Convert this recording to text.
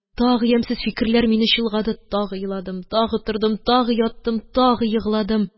Тагы ямьсез фикерләр мине чолгады, тагы егладым, тагы тордым, тагы яттым, тагы егладым